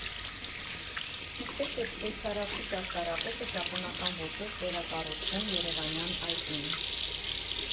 Ինչպես էր շվեյցարացի ճարտարապետը ճապոնական ոճով վերակառուցվում երևանյան այգին.